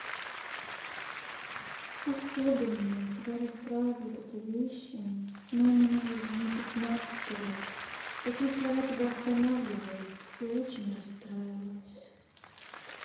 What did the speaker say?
особенно тебя расстраивают эти вещи но у меня уже не пятьдесят рук такие слова тебя останавливают и очень расстраиваюсь